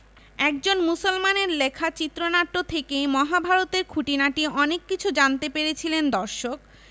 একজন মুসলমানের লেখা চিত্রনাট্য থেকেই মহাভারত এর খুঁটিনাটি অনেক কিছু জানতে পেরেছিল দর্শক